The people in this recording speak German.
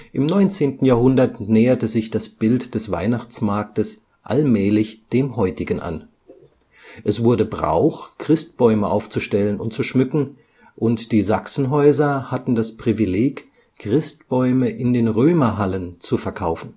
19. Jahrhundert näherte sich das Bild des Weihnachtsmarktes allmählich dem heutigen an. Es wurde Brauch, Christbäume aufzustellen und zu schmücken, und die Sachsenhäuser hatten das Privileg, Christbäume in den Römerhallen zu verkaufen